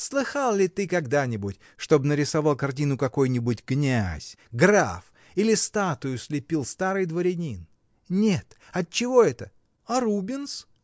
Слыхал ли ты когда-нибудь, чтоб нарисовал картину какой-нибудь князь, граф или статую слепил старый дворянин. нет: отчего это?. — А Рубенс?